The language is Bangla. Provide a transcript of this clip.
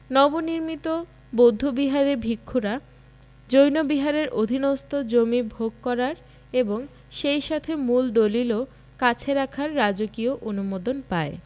নব নির্মিত বৌদ্ধ বিহারের ভিক্ষুরা জৈন বিহারের অধীনস্থ জমি ভোগ করার এবং সেই সাথে মূল দলিলও কাছে রাখার রাজকীয় অনুমোদন পায়